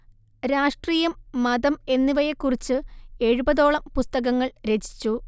രാഷ്ട്രീയം മതം എന്നിവയെക്കുറിച്ച് എഴുപതോളം പുസ്തകങ്ങൾ രചിച്ചു